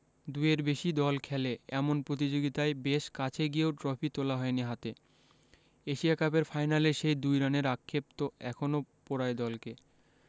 দুইয়ের বেশি দল খেলে এমন প্রতিযোগিতায় বেশ কাছে গিয়েও ট্রফি তোলা হয়নি হাতে এশিয়া কাপের ফাইনালের সেই ২ রানের আক্ষেপ তো এখনো পোড়ায় দলকে